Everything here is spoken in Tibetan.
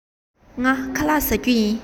ངས ཁ ལག བཟས མེད